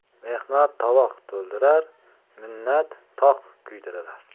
mehnat tovoq to'ldirar minnat toq kuydirar